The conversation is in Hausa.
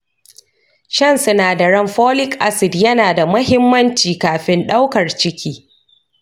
shan sinadarin folic acid yana da muhimmanci kafin ɗaukar ciki.